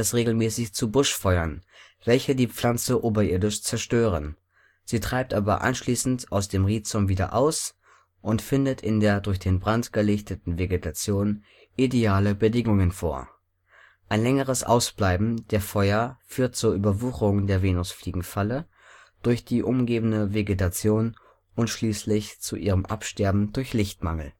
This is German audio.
regelmäßig zu Buschfeuern, welche die Pflanze oberirdisch zerstören. Sie treibt aber anschließend aus dem Rhizom wieder aus und findet in der durch den Brand gelichteten Vegetation ideale Bedingungen vor. Ein längeres Ausbleiben der Feuer führt zur Überwucherung der Venusfliegenfalle durch die umgebende Vegetation und schließlich zu ihrem Absterben durch Lichtmangel